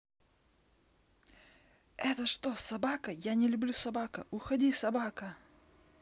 это что собака я не люблю собака уходи собака